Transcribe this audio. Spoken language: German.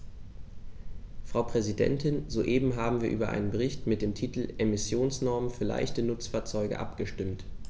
Frau Präsidentin, soeben haben wir über einen Bericht mit dem Titel "Emissionsnormen für leichte Nutzfahrzeuge" abgestimmt.